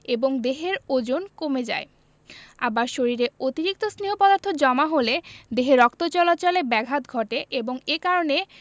এবং দেহের ওজন কমে যায় আবার শরীরে অতিরিক্ত স্নেহ পদার্থ জমা হলে দেহে রক্ত চলাচলে ব্যাঘাত ঘটে এবং এ কারণে